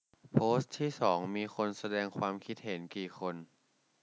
โพสต์ที่สองมีคนแสดงความคิดเห็นกี่คน